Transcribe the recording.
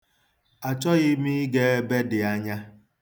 Achọghị m ịga ebe dị anya.